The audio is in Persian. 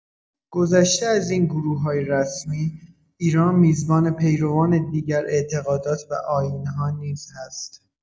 گذشته از این گروه‌های رسمی، ایران میزبان پیروان دیگر اعتقادات و آیین‌ها نیز هست.